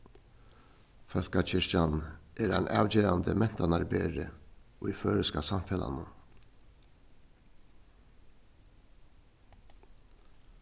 fólkakirkjan er ein avgerandi mentanarberi í føroyska samfelagnum